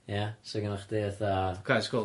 Ie, so gynna chdi fatha... .